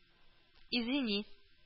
Извини